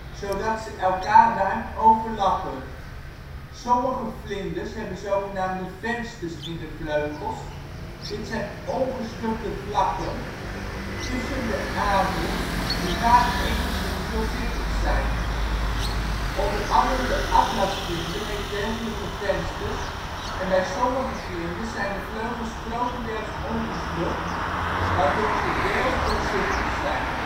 zodat ze elkaar ruim overlappen. Sommige vlinders hebben zogenaamde " vensters " in de vleugels, dit zijn ongeschubde vlakken tussen de aderen die vaak enigszins doorzichtig zijn. Onder andere de atlasvlinder heeft dergelijke vensters en bij sommige vlinders zijn de vleugels grotendeels ongeschubd waardoor ze deels doorzichtig zijn